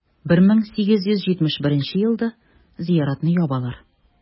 1871 елда зыяратны ябалар.